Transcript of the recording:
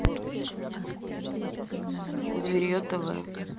зверье тв